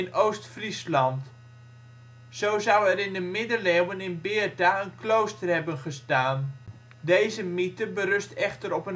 Oost-Friesland). Zo zou er in de middeleeuwen in Beerta een klooster hebben gestaan. Deze mythe berust echter op